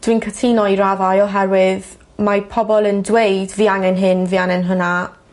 Dwi'n cytuno i raddau oherwydd mae pobol yn dweud fi angen hyn fi anen hwnna.